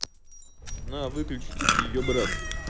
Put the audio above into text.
на выключить ты ее брат